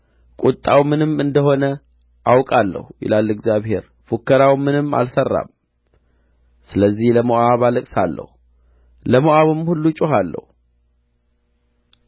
ቍጣው ምንም እንደ ሆነ አውቃለሁ ይላል እግዚአብሔር ፉከራው ምንም አልሠራም ስለዚህ ለሞዓብ አለቅሳለሁ ለሞዓብም ሁሉ እጮኻለሁ